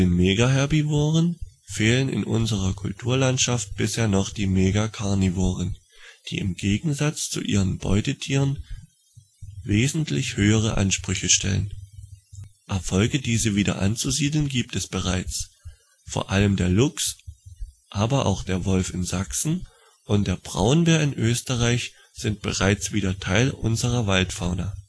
Megaherbivoren fehlen in unserer Kulturlandschaft bisher noch die Megacarnivoren, die im Gegensatz zu ihren Beutetieren wesentlich höhere Ansprüche stellen. Erfolge diese wieder anzusiedeln gibt es aber bereits. Vor allem der Luchs, aber auch der Wolf (in Sachsen) und der Braunbär (in Österreich) sind bereits wieder Teil unserer Waldfauna